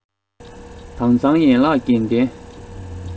དྭངས གཙང ཡན ལག བརྒྱད ལྡན